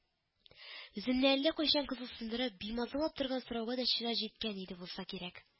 Үземне әллә кайчан кызыксындырып, бимазалап торган сорауга да чират җиткән иде булса кирәк